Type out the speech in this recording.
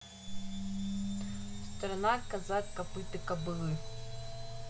страна казак копыта кобылы